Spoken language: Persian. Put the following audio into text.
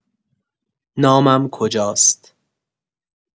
نامم کجاست!